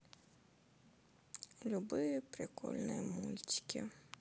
любые прикольные мультики